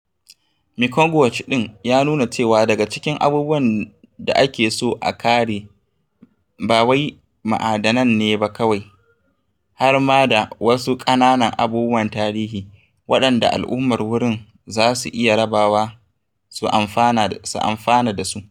Mekong Watch ta nuna cewa daga cikin abubuwan da ake so a kare ba wai ma'adanan ne ba kawai, har ma da "wasu ƙananan abubuwan tarihi" waɗanda al'ummar wurin za su iya rabawa su amfana da su.